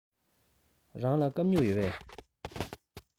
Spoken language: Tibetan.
རང ལ སྐམ སྨྱུག ཡོད པས